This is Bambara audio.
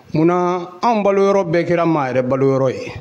Munna anw balo yɔrɔ bɛɛ kɛra maa yɛrɛ balo yɔrɔ ye